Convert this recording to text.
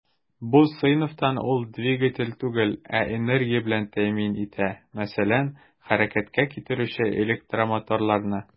Бу сыйфатта ул двигатель түгел, ә энергия белән тәэмин итә, мәсәлән, хәрәкәткә китерүче электромоторларны.